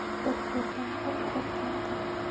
bir ko'rdan qo'rq bir kardan